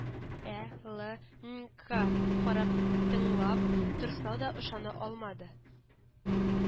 Ә Лэ нька карап, тыңлап торса да, ышана алмады